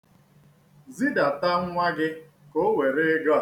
Zidata nnwa gị ka o were ego a.